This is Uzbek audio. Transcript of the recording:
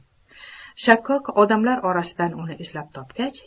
shakkok odamlar orasidan uni izlab topgach